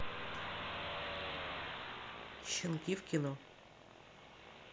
щенки в кино